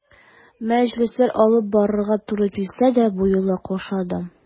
Мәҗлесләр алып барырга туры килсә дә, бу юлы каушадым.